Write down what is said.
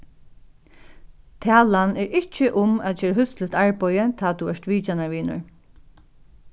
talan er ikki um gera húsligt arbeiði tá tú ert vitjanarvinur